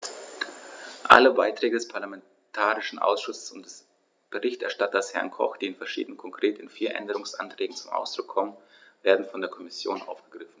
Alle Beiträge des parlamentarischen Ausschusses und des Berichterstatters, Herrn Koch, die in verschiedenen, konkret in vier, Änderungsanträgen zum Ausdruck kommen, werden von der Kommission aufgegriffen.